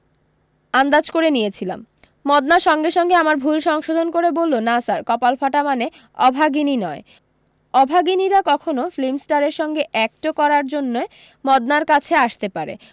আন্দাজ করে নিয়েছিলাম মদনা সঙ্গে সঙ্গে আমার ভুল সংশোধন করে বললো না স্যার কপাল ফাটা মানে অভাগিনী নয় অভাগিনীরা কখনো ফিল্মিস্টারের সঙ্গে অ্যাকটো করার জন্যে মদনার কাছে আসতে পারে